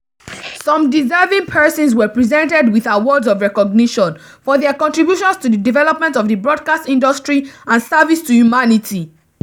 Some deserving persons were presented with awards of recognition for their contributions to the development of the broadcast industry and service to humanity.